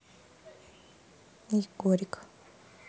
егорик